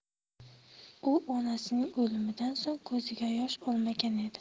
u onasining o'limidan so'ng ko'ziga yosh olmagan edi